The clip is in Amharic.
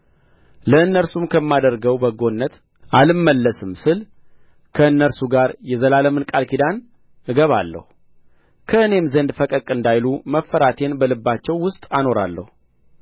ለእነርሱም ከማደርገው በጎነት አልመለስም ስል ከእነርሱ ጋር የዘላለምን ቃል ኪዳን እገባለሁ ከእኔም ዘንድ ፈቀቅ እንዳይሉ መፈራቴን በልባቸው ውስጥ አኖራለሁ